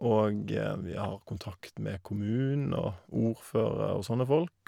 Og vi har kontakt med kommunen og ordførere og sånne folk.